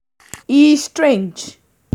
He's strange.